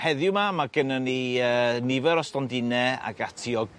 Heddiw 'ma ma' gennon ni yy nifer o stondine ag ati o